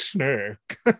Snake?